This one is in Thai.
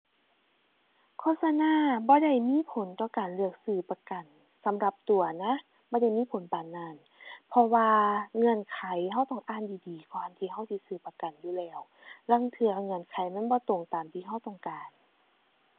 โฆษณาบ่ได้มีผลต่อการเลือกซื้อประกัน สำหรับตัวนะ บ่ได้มีผลปานนั้น เพราะว่าเงื่อนไขเราต้องอ่านดีดีก่อนที่เราสิซื้อประกันอยู่แล้ว ลางเทื่อเงื่อนไขมันบ่ตรงตามที่เราต้องการ